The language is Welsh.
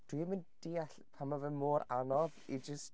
Dwi ddim yn deall pam mae fe mor anodd i jyst...